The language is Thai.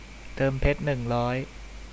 เติมเพชรหนึ่งร้อย